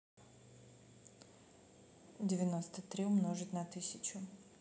девяносто три умножить на тысячу